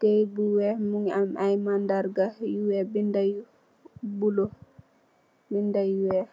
kayete bu weex muge ameh ay madarga yu weex beda yu bulo beda yu weex.